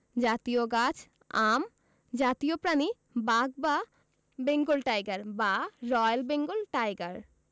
জাতীয় গাছঃ আম জাতীয় প্রাণীঃ বাঘ বা বেঙ্গল টাইগার বা রয়েল বেঙ্গল টাইগার